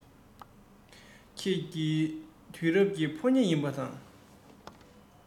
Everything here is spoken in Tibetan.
ཁྱེད ནི དུས རབས ཀྱི ཕོ ཉ ཡིན པ དང